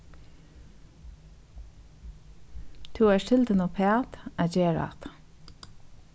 tú ert hildin uppat at gera hatta